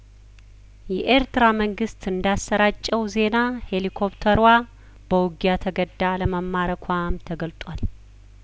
የኤርትራ መንግስት እንዳ ሰራጨው ዜና ሄሊኮፕተሯ በውጊያተገዳ አለመማረኳም ተገልጧል